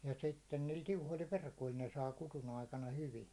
ja sitten niillä tiuhoilla verkoilla ne saa kudun aikana hyvin